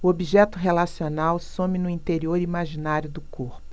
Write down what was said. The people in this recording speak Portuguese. o objeto relacional some no interior imaginário do corpo